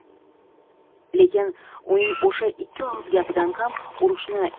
lekin uning o'sha ikki og'iz gapidan ham urushni